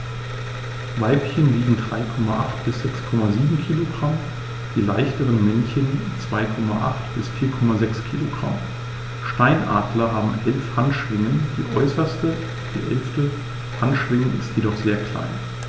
Weibchen wiegen 3,8 bis 6,7 kg, die leichteren Männchen 2,8 bis 4,6 kg. Steinadler haben 11 Handschwingen, die äußerste (11.) Handschwinge ist jedoch sehr klein.